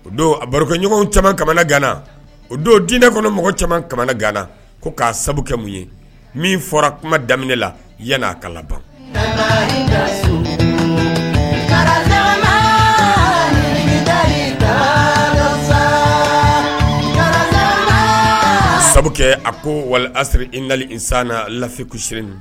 O don barokɛɲɔgɔn caman kamana gana o don diinɛkɔnɔ mɔgɔ caman kamana gana ko k'a sababu kɛ mun ye min fɔra kuma daminɛ la yan a kala ban sabu a ko aa sɔrɔ i nali san lafifekusiin